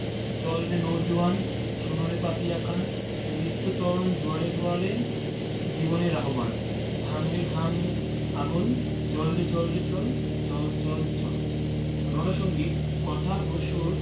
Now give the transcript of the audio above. চল রে নও জোয়ান শোন রে পাতিয়া কান মৃত্যু তরণ দুয়ারে দুয়ারে জীবনের আহবান ভাঙ রে ভাঙ আগল চল রে চল রে চল চল চল চল রন সঙ্গীত কথা ও সুর